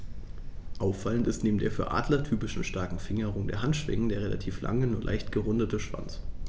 Auffallend ist neben der für Adler typischen starken Fingerung der Handschwingen der relativ lange, nur leicht gerundete Schwanz.